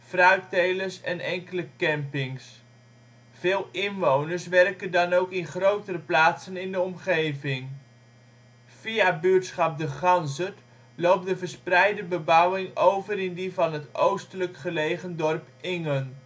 fruittelers en enkele campings. Veel inwoners werken dan ook in grotere plaatsen in de omgeving. Via buurtschap De Ganzert loopt de verspreide bebouwing over in die van het oostelijk gelegen dorp Ingen